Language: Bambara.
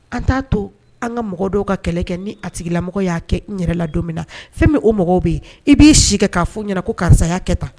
An t'a to an ka mɔgɔ dɔw ka kɛlɛ kɛ ni a sigilamɔgɔ y'a kɛ i yɛrɛ la don min na fɛn min o mɔgɔw bɛ yen i b'i sigi kɛ k'a fɔ ɲɛna ko karisa kɛ tan